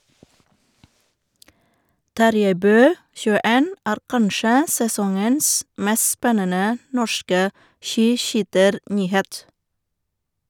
Tarjei Bø , 21, er kanskje sesongens mest spennende norske skiskytternyhet.